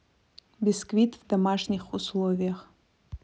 бисквит в домашних условиях